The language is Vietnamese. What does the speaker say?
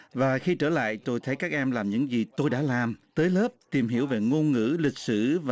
và khi trở lại tôi thấy các em làm những gì tôi đã làm tới lớp tìm hiểu về ngôn ngữ lịch sử và